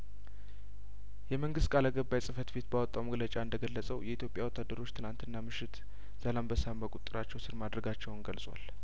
የመንግስት ቃል አቀባይ ጽፈት ቤት ባወጣው መግለጫ እንደገለጸው የኢትዮጵያ ወታደሮች ትናንትናምሽት ዛላንበሳን በቁጥጥራቸው ስር ማድረጋቸውን ገልጿል